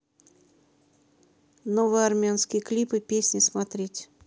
новые армянские клипы песни смотреть